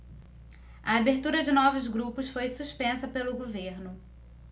a abertura de novos grupos foi suspensa pelo governo